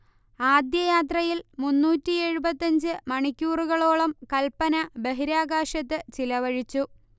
ആദ്യയാത്രയിൽ മുന്നൂറ്റിയെഴുപത്തഞ്ച് മണിക്കൂറുകളോളം കൽപന ബഹിരാകാശത്ത് ചിലവഴിച്ചു